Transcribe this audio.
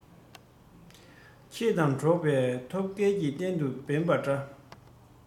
ཁྱེད དང འགྲོགས པའི ཐོབ སྐལ གྱིས གཏན དུ དབེན པ འདྲ